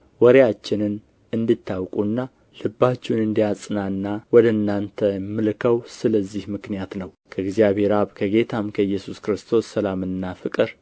ወሬአችንን እንድታውቁና ልባችሁን እንዲያጽናና ወደ እናንተ የምልከው ስለዚህ ምክንያት ነው ከእግዚአብሔር አብ ከጌታም ከኢየሱስ ክርስቶስ ሰላምና ፍቅር